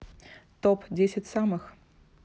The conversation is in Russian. топ десять самых